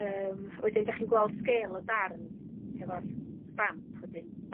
Yym wedyn dach chi'n gweld sgêl y darn hefo'r sbamp wedyn